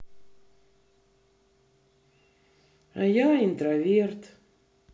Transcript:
а я интроверт